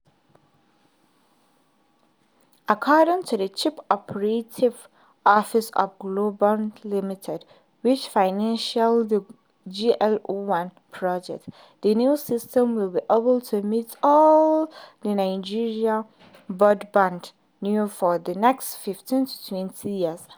According to the Chief Operating Officer of Globacom Limited, which financed the GLO-1 project, the new system will be able to meet all of Nigeria's broadband needs for the next 15 to 20 years.